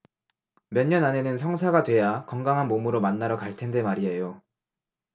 몇 년 안에는 성사가 돼야 건강한 몸으로 만나러 갈 텐데 말이에요